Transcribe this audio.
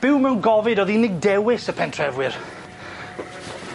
Byw mewn gofid o'dd unryw dewis y pentrefwyr.